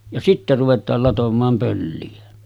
ja sitten ruvetaan latomaan pölliä